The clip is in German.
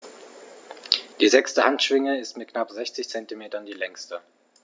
Die sechste Handschwinge ist mit knapp 60 cm die längste.